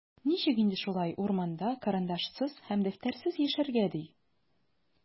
Ничек инде шулай, урманда карандашсыз һәм дәфтәрсез яшәргә, ди?!